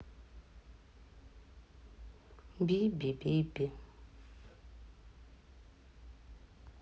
биби биби